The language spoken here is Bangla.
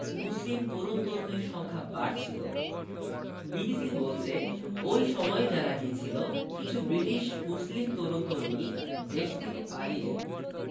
মুসলিম তরুণ তরুণীর সংখ্যা বাড়ছিল বিবিসি বলছে ওই সময়ই জানা গিয়েছিল কিছু ব্রিটিশ মুসলিম তরুণ তরুণী দেশ থেকে পালিয়ে